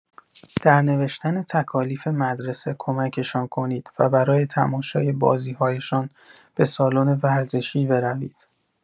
در نوشتن تکالیف مدرسه کمکشان کنید و برای تماشای بازی‌هایشان به سالن ورزشی بروید.